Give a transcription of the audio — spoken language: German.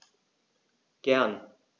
Gern.